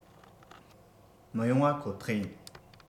མི ཡོང བ ཁོ ཐག ཡིན